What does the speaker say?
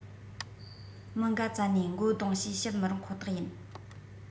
མི འགའ བཙལ ནས མགོ སྡུང ཞེས བཤད མི རུང ཁོ ཐག ཡིན